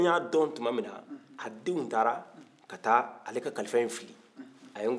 a ye ngolo wele